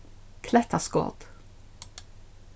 klettaskot